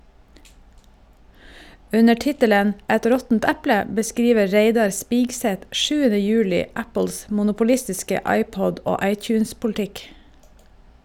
Under tittelen "Et råttent eple" beskriver Reidar Spigseth 7. juli Apples monopolistiske iPod- og iTunes-politikk.